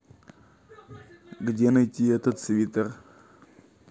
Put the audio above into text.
где найти этот свитер